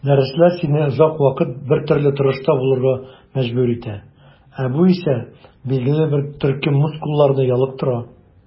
Дәресләр сине озак вакыт бертөрле торышта булырга мәҗбүр итә, ә бу исә билгеле бер төркем мускулларны ялыктыра.